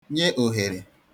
nye òhèrè